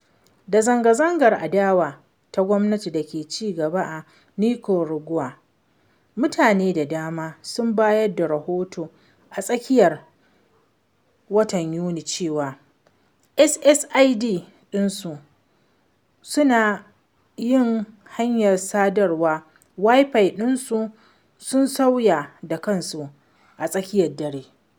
Da zanga-zangar adawa da gwamnati da ke ci gaba a Nicaragua, mutane da dama sun bayar da rahoto a tsakiyar watan Yuni cewa SSID ɗinsu (sunayen hanyar sadarwar Wi-Fi ɗinsu) sun sauya da kansu a tsakiyar dare.